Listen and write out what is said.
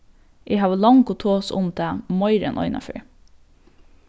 eg havi longu tosað um tað meira enn eina ferð